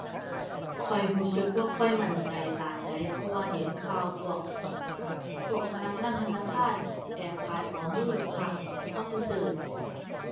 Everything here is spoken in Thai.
ข้อยรู้สึกบ่ค่อยมั่นใจปานใด เพราะว่าเห็นข่าวพวก พวกพนักงานธนาคารแอบขายข้อมูลลูกค้าให้พวก call center